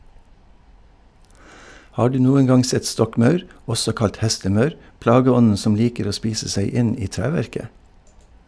Har du noen gang sett stokkmaur, også kalt hestemaur, plageånden som liker å spise seg inn i treverket?